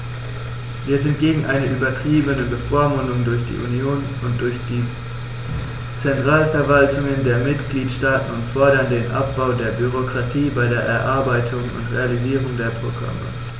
Wir sind gegen eine übertriebene Bevormundung durch die Union und die Zentralverwaltungen der Mitgliedstaaten und fordern den Abbau der Bürokratie bei der Erarbeitung und Realisierung der Programme.